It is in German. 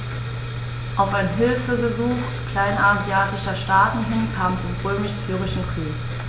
Auf ein Hilfegesuch kleinasiatischer Staaten hin kam es zum Römisch-Syrischen Krieg.